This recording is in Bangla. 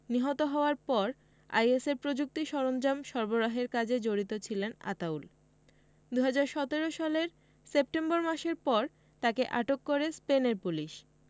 নিহত হওয়ার পর আইএসের প্রযুক্তি সরঞ্জাম সরবরাহের কাজে জড়িত ছিলেন আতাউল ২০১৭ সালের সেপ্টেম্বর মাসের পর তাকে আটক করে স্পেনের পুলিশ